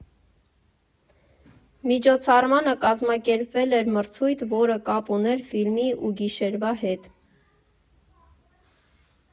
Միջոցառմանը կազմակերպվել էր մրցույթ, որը կապ ուներ ֆիլմի ու գիշերվա հետ։